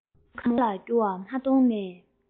མཚན མོ མཁའ ལ རྒྱུ བ མ མཐོང ནས